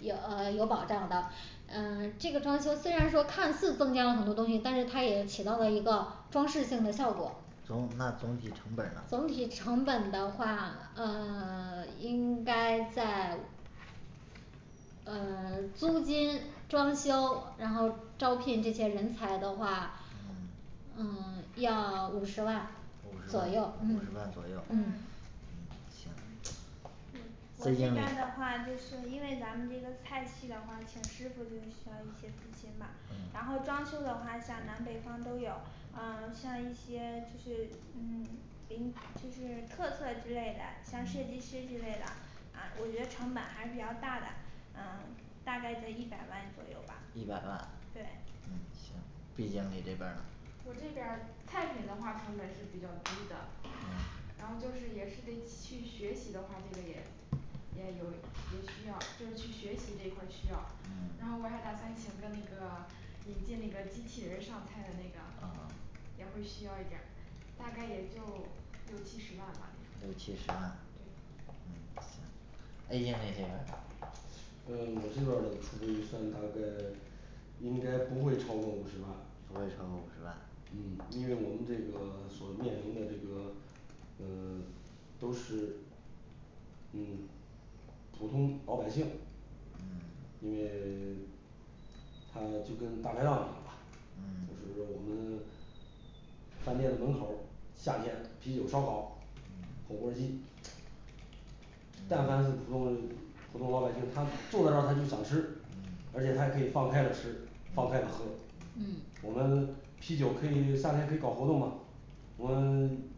有呃有保障的嗯这个装修虽然说看似增加了很多东西，但是它也起到了一个装饰性的效果总那总体成本儿呢总体成本的话呃 应该在呃 租金装修，然后招聘这些人才的话嗯嗯要五十万五十左万右嗯五十万左右嗯嗯行对我这 C 经理边儿的话就是因为咱们这个菜系的话，请师傅就需要一些资金吧嗯然后装修的话像南北方都有呃像一些就是嗯零就是特色之类的，像设计嗯师之类的，呃我觉得成本还是比较大的呃大概在一百万左右吧一百万对嗯行B经理这边儿呢我这边儿菜品的话成本是比较低的，呃然后就是也是得去学习的话，这个也也有也需要就是去学习这一块儿需要，嗯然后我还打算请个那个引进那个机器人儿上菜的那个嗯也会需要一点儿大概也就六七十万吧这六七十万对嗯行 A经理这边儿呢呃我这边儿的初步预算大概应该不会超过五十万不会超过五十万嗯因为我们这个所面临的这个嗯都是嗯普通老百姓嗯因为 它就跟大排档一样吧就嗯是说我们饭店的门口儿夏天啤酒、烧烤嗯火锅儿鸡，但凡是普通普通老百姓，他坐在这儿他就想吃嗯而且他还可以放开了吃放开了喝嗯我们啤酒可以夏天可以搞活动嘛我们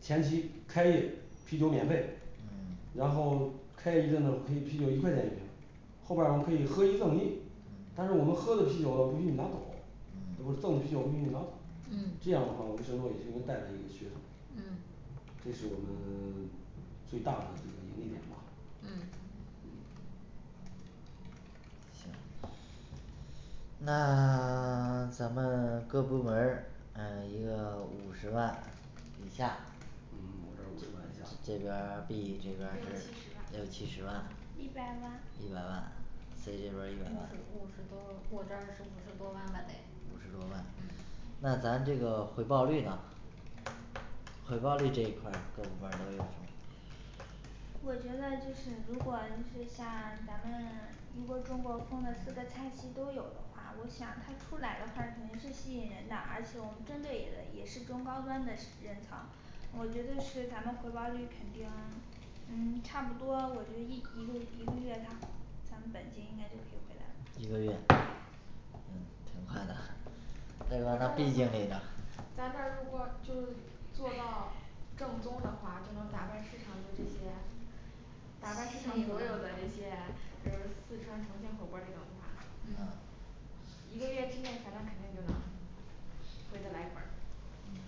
前期开业啤酒免费，嗯然后开业一阵子可以啤酒一块钱一瓶，后边儿我们可以喝一赠一但是我们喝的啤酒呢不许你拿走，呃不是嗯赠的啤酒不允许拿走嗯这样的话无形中已经带来一个噱头嗯这是我们 最大的这个盈利点吧嗯嗯行那 咱们 各部门儿呃一个五十万以下嗯我这儿五十万以下这边儿B这边儿是六六七十万七十万一百万一百万C这边五十儿一百万五十多我这儿是五十多万吧得五十多万嗯那咱这个回报率呢嗯回报率这一块儿各部门儿都有什么我觉得就是如果是像咱们如果中国风的四个菜系都有的话，我想它出来的话肯定是吸引人的而且我们针对也的也是中高端的阶层我觉得是咱们回报率肯定嗯差不多，我就一一个一个月，咱们本金应该就可以回来了一个月嗯挺快的这我这边儿儿咱 B经理的话呢咱这儿如果就是做到正宗的话就能打败市场就这些打败市场所有的这些比如四川重庆火锅儿这种的话嗯呃一个月之内反正肯定就能回的来本儿嗯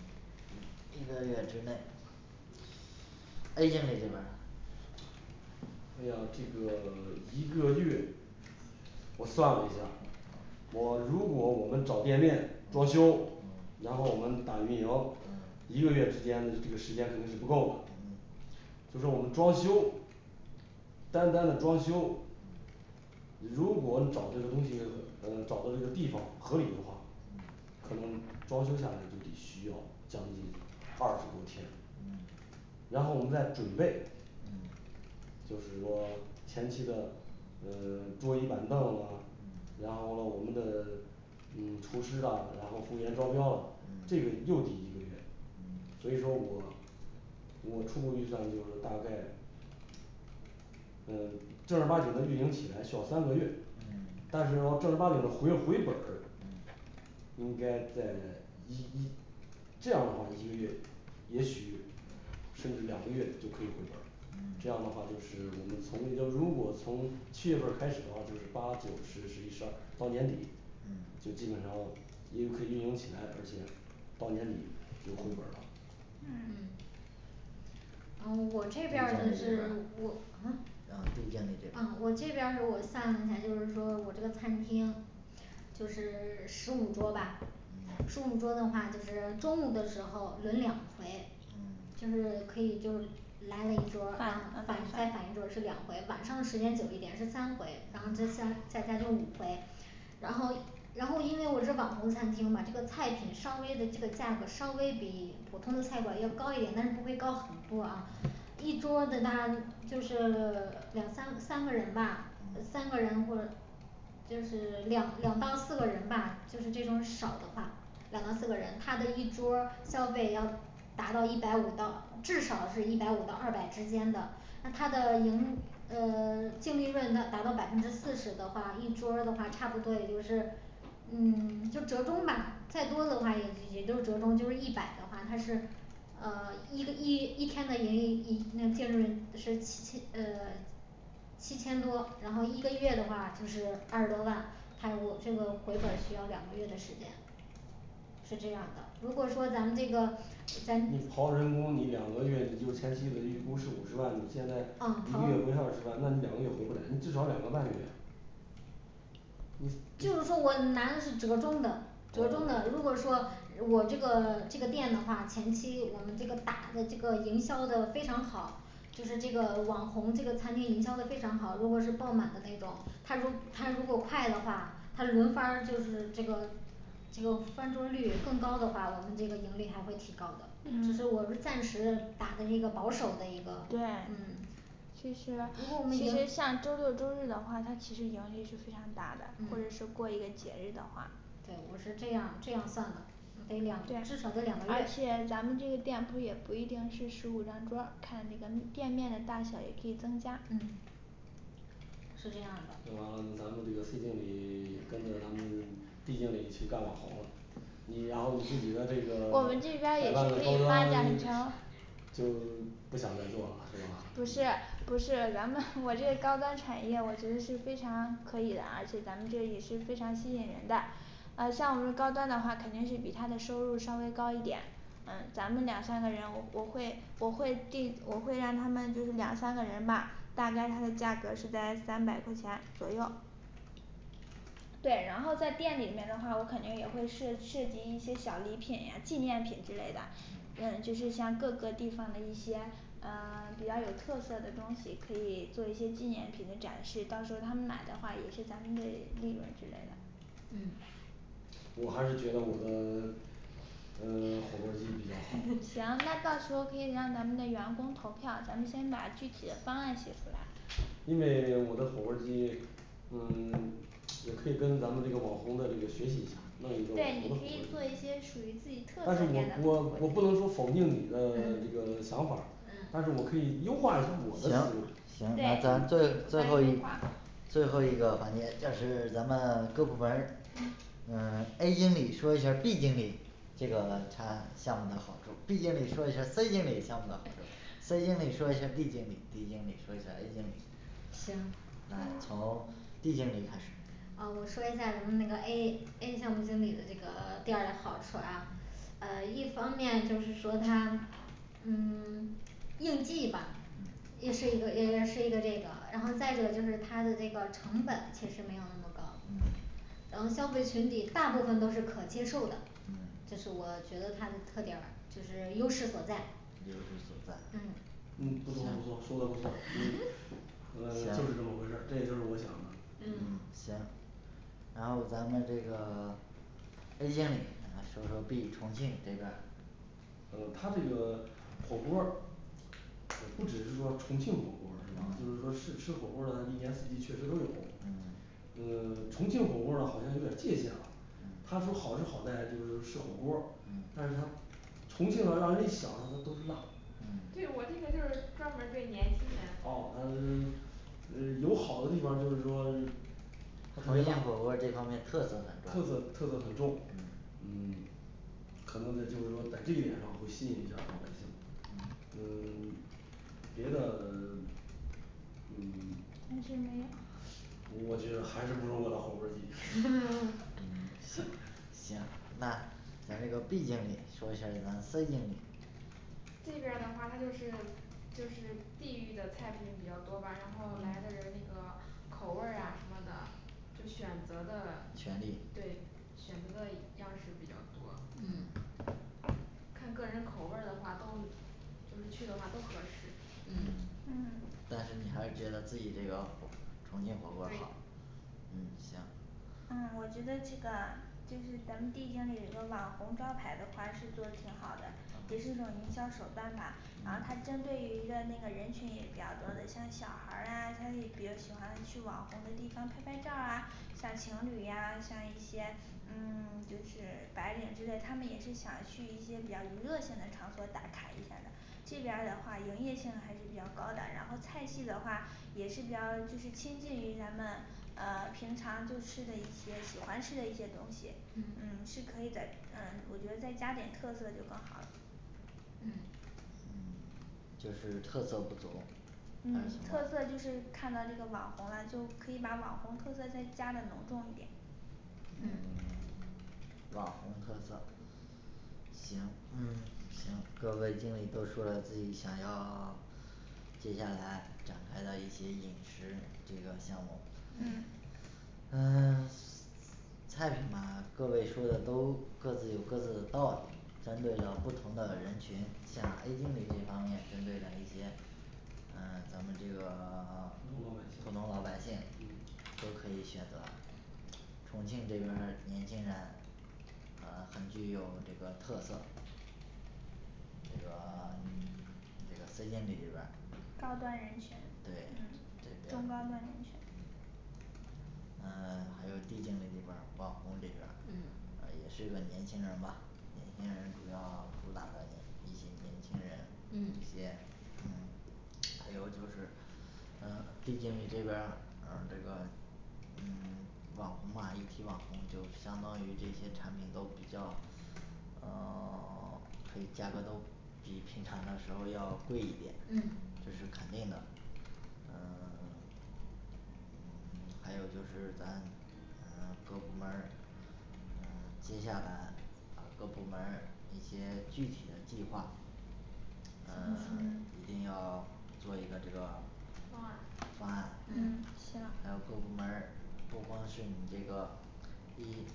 一个月之内 A经理这边儿呢哎呀这个 一个月我算了一下，我如果我们找店面装修，嗯然后我们打运营，嗯一个月之间的这个时间肯定是不够嗯的就说我们装修单单的装修呃嗯如果你找这个东西呃找的这个地方合理的话嗯可能装修下来就得需要将近二十多天嗯然后我们再准备嗯就是说前期的呃 桌椅板凳啊，嗯然后了我们的嗯厨师啦，然后服务员招标啦这个嗯又得一个月，嗯所以说我我初步预算就是大概呃正儿八经的运营起来需要三个月，嗯但是要正儿八经的回回本儿嗯应该在一一这样的话一个月也许甚至两个月就可以回本儿嗯这样的话就是我们从中如果从七月份儿开始的话就是八九十十一十二到年底嗯就基本上应 可以运营起来，而且到年底就回本儿了嗯哦我这边儿的就是我嗯啊D经理这边啊儿我这边儿是我算了一下就是说我这个餐厅就是十五桌吧十嗯五桌的话就是中午的时候轮两回，嗯返嗯嗯就是两两到四个人吧就是这种少的话两到四个人他的一桌儿消费要达到一百五到，至少是一百五到二百之间的那它的盈呃 净利润那达到百分之四十的话一桌儿的话差不多也就是嗯就折中吧再多的话也也就是折中就是一百的话它是呃一个一一天的盈利盈，那净利润是七七呃七千多然后一个月的话就是二十多万，还有我这个回本儿需要两个月的时间是这样的如果说咱们这个在你刨人工你两个月你就前期的预估是五十万你现在一个月回二十万，那你两个月回不来你至少两个半月呀你就就是说我难的是折中的折中哦的如果说我这个这个店的话，前期我们这个打的这个营销的非常好就是这个网红这个餐厅营销的非常好，如果是爆满的那种，他如他如果快的话，他轮番儿就是这个这种翻桌儿率更高的话，我们这个盈利还会提高的，所嗯以我是暂时的打的一个保守的一个对嗯其实如果我那们盈些像周六周日的话，它其实盈利是非常大的或者嗯是过一个节日的话对我是这样这样算的得两至对少得两个而月且咱们这个店铺也不一定是十五张桌儿看那个店面的大小也可以增加嗯是这样的这完了咱们这个C经理 也是跟着咱们D经理一起干网红了你然后你自己的这个 我们这边儿也百万是的可高以发端展 成就不想再做了是吧不是嗯不是咱们我这个高端产业我觉得是非常可以的，而且咱们这也是非常吸引人的呃像我们高端的话肯定是比他的收入稍微高一点，嗯咱们两三个人我我会我会定我会让他们就是两三个人吧大概它的价格是在三百块钱左右对，然后在店里面的话，我肯定也会是涉涉及一些小礼品呀纪念品之类的，嗯嗯就是像各个地方的一些呃 比较有特色的东西，可以做一些纪念品的展示，到时候他们买的话也是咱们这利润之类的嗯我还是觉得我的 呃 火锅儿鸡比 较好行到时候可以让咱们的员工投票，咱们先把具体的方案写出来因为我的火锅儿鸡嗯 也可以跟咱们这个网红的这个学习一下儿弄一个网红的火锅儿鸡但是我我我不能说否定你的 这个想法儿但嗯是我可以优化一下我的思行路对咱一块儿最后一个环节就是咱们各部门儿呃A经理说一下儿B经理这个的他项目的好处B经理说一下儿C经理项目的好处 C经理说一下儿D经理D经理说一下儿A经理行啊嗯从D经理开始啊我说一下咱们那个AA项目经理的这个店儿的好处啊呃一方面就是说他嗯 应季吧也是一个嗯也是一个这个，然后再一个就是它的这个成本其实没有那么高嗯咱们消费群体大部分都是可接受的，嗯这是我觉得他的特点儿就是优势所在优势所在嗯嗯不错不错说的不错呃就是这么行回事这就是我想的嗯行然后咱们这个 A经理来说一说B重庆这边儿呃他这个火锅儿呃不只是说重庆火锅儿是吧就是说嗯是吃火锅儿的一年四季确实都有嗯嗯重庆火锅儿呢好像有点儿界限了，他嗯说好是好在就是说是火锅儿，嗯但是它重庆呢让人一想，就说都是辣对嗯我这个就是专门儿对年轻人噢嗯 呃有好的地方儿就是说他特别重辣庆火锅儿这方面特色特很色重特色很重嗯嗯可能在就是说在这一点上会吸引一下老百姓，嗯 别的 嗯暂时没有我觉得还是不如我的火锅儿鸡 嗯行那咱这个B经理说一下咱C经理这边儿的话他就是就是地域的菜品比较多吧然后来的人那个口味儿啊什么的就选择的权利对选择的样式比较多嗯看个人口味儿的话都就是去的话都合适嗯但是你还是觉得自己这个火重庆火锅儿好对嗯行嗯我觉得这个就是咱们D经理这个网红招牌的话是做挺好的也是一种营销手段吧，然后他嗯针对于的那个人群也比较多的像小孩儿啊，他也比较喜欢去网红的地方拍拍照儿啊像情侣呀，像一些嗯 就是白领之类，他们也是想去一些比较娱乐性的场所打卡一下的，这边儿的话营业性还是比较高的，然后菜系的话也是比较就是亲近于咱们呃平常就吃的一些喜欢吃的一些东西嗯嗯是可以的，嗯我觉得再加点特色就更好了嗯嗯就是特色不足还嗯有什特么色就是看到那个网红啊就可以把网红特色再加的浓重一点嗯嗯网红特色行嗯行各位经理都说了自己想要 接下来展开的一些饮食这个项目嗯呃咱们这个普 通老百普通姓老百姓嗯都可以选择重庆这边儿年轻人呃很具有这个特色那个 嗯那个C经理这边儿高端人群对嗯中高端人群嗯呃还有D经理那边儿网红这边儿嗯呃也适合年轻人吧年轻人主要主打的一一些年轻人嗯一些嗯还有就是呃D经理这边儿呃这个嗯网红嘛一提网红就相当于这些产品都比较呃 所以价格都比平常的时候要贵一些嗯这是肯定的呃 嗯还有就是咱嗯各部门儿，嗯接下来呃各部门儿一些具体的计划嗯呃嗯一定要做一个这个方案方案嗯行还有各部门儿不光是你这个第一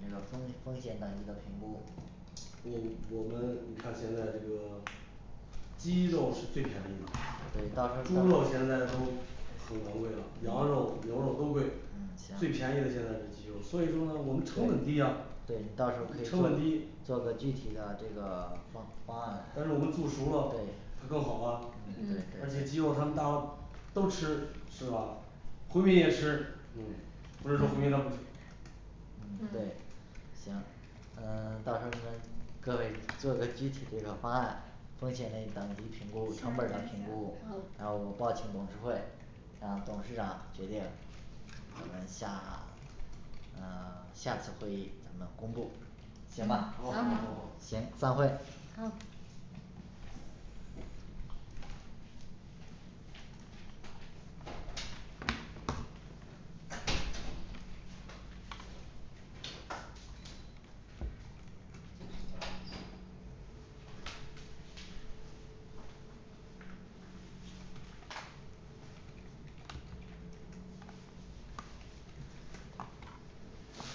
你这个风险风险等级的评估我我们你看现在这个鸡肉是最便宜的对到时猪候肉儿像现在都很昂贵了，羊肉牛肉都贵嗯最行便宜的现在是鸡肉，所以说呢我们成本低呀对你到时候成儿可以本低做个具体的这个方方案但来是我们做熟了对他更好啊而且鸡肉他们大家都吃是吧回民也吃嗯不是说回民他不吃嗯对嗯行呃 到时候你们各位做个具体这个方案，风险嘞等级评估成行本儿的行评估行啊然后我们报请董事会让董事长决定咱们下 呃 下次会议咱们公布行吧哦好好嗯行好行散会好